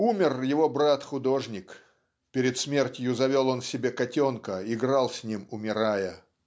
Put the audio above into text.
Умер его брат-художник (перед смертью завел он себе котенка играл с ним умирая).